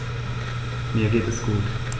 Mir geht es gut.